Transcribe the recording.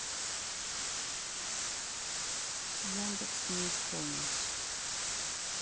яндекс не исполнить